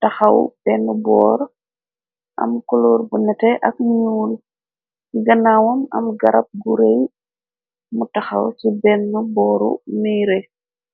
taxaw benn boor, am kuloor bu nete, ak ñuur, ganaawaom am garab gurey, mu taxaw ci benn booru miyre.